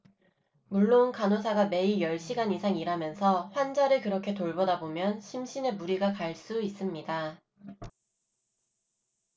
물론 간호사가 매일 열 시간 이상 일하면서 환자를 그렇게 돌보다 보면 심신에 무리가 갈 수 있습니다